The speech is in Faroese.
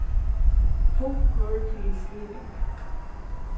funkur til skriving